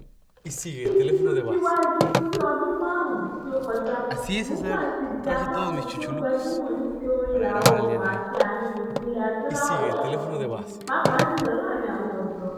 Ní sísún síwájú sí ọdún márùn-ún tí ó kọjá, Rhumba tún ti di apákan tí ó gbajúmò ní ti orin Ìlà-Oòrùn àti Ààrin Gbùngbùn Ilẹ̀ Adúláwò lẹ́ẹ̀kansi, pàápàá jùlọ láàárín àwọn ọ̀dọ́.